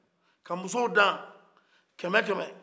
ka musow dan kɛmɛkɛmɛ